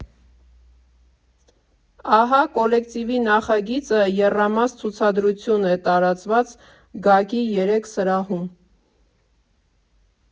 ԱՀԱ կոլեկտիվի նախագիծը եռամաս ցուցադրություն է՝ տարածված ԳԱԿ֊ի երեք սրահում։